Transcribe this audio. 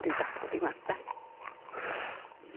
dwi mynd adal di 'wan 'de?